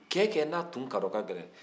cɛ o cɛ n'a tun kadɔ ka gɛlɛn